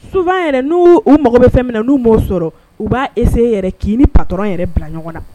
Su yɛrɛ n'u u mago bɛ fɛn min na n'u m'o sɔrɔ u b'a ese yɛrɛ k'i ni patɔ yɛrɛ bila ɲɔgɔn na